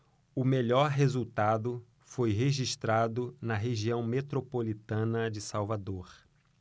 o melhor resultado foi registrado na região metropolitana de salvador